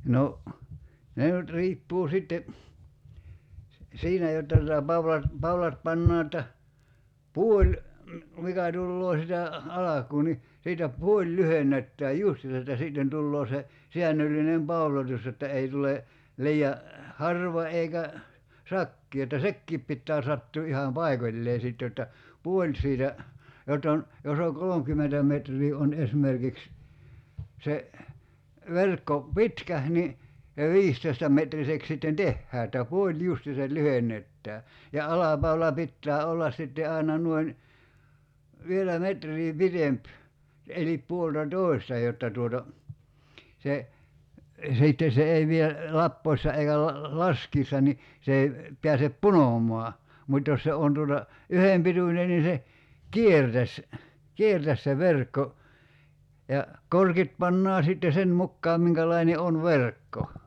no ne nyt riippuu sitten - siinä jotta tuota paulat paulat pannaan että puoli mikä tulee sitä alkuun niin siitä puoli lyhennetään justiinsa että sitten tulee se säännöllinen pauloitus jotta ei tule liian harva eikä sakea että sekin pitää sattua ihan paikoilleen sitten jotta puoli siitä jotta on jos on kolmekymmentä metriä on esimerkiksi se verkko pitkä niin se viisitoistametriseksi sitten tehdään että puoli justiinsa lyhennetään ja alapaula pitää olla sitten aina noin vielä metriä pitempi eli puoltatoista jotta tuota se sitten se ei vie lappoessa eikä - laskiessa niin se ei pääse punomaan mutta jos se on tuota yhden pituinen niin se kiertäisi kiertäisi se verkko ja korkit pannaan sitten sen mukaan minkälainen on verkko